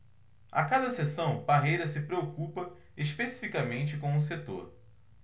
a cada sessão parreira se preocupa especificamente com um setor